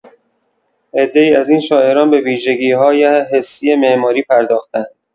عده‌ای از این شاعران به ویژگی‌های حسی معماری پرداخته‌اند.